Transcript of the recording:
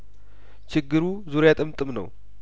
ችግሩ ዙሪያጥምጥም ነው